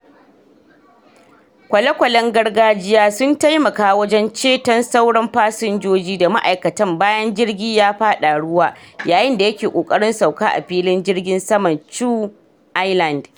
kwale-kwalen gargajiya sun taimaka wajen ceton sauran fasinjoji da ma'aikatan bayan jirgin ya fada ruwa yayin da yake ƙoƙarin sauka a filin jirgin saman Chuuk Island.